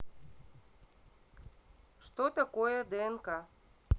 что такое днк